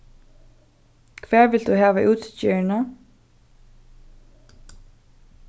hvar vilt tú hava útgerðina